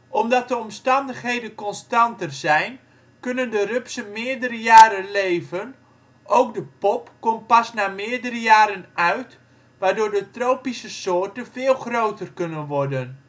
Omdat de omstandigheden constanter zijn, kunnen de rupsen meerdere jaren leven. Ook de pop komt pas na meerdere jaren uit waardoor de tropische soorten veel groter kunnen worden